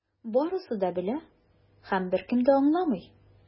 Барысы да белә - һәм беркем дә аңламый.